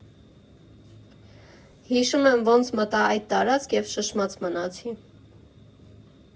Հիշում եմ, ոնց մտա այդ տարածք և շշմած մնացի։